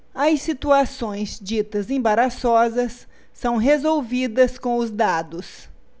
as situações ditas embaraçosas são resolvidas com os dados